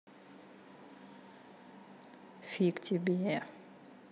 фиг тебе